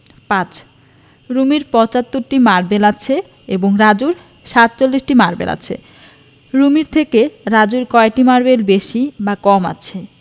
৫ রুমির ৭৫টি মারবেল আছে এবং রাজুর ৪৭টি মারবেল আছে রুমির থেকে রাজুর কয়টি মারবেল বেশি বা কম আছে